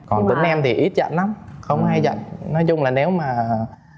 còn tính em thì ít giận lắm không hay giận nói chung là nếu mà